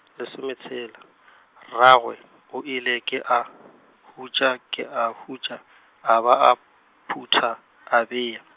lesometshela, rragwe, o ile ke a , hutša ke a hutša, a ba a, phutha, a bea.